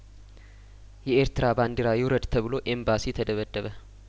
የኤርትራ ባንዲራ ይውረድ ተብሎ ኤምባሲ ተደበደበ